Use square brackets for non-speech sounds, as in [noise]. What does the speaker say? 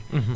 [hesitation] [hesitation]